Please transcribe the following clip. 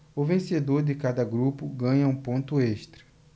o vencedor de cada grupo ganha um ponto extra